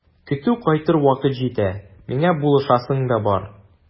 Көтү кайтыр вакыт җитә, миңа булышасың да бар.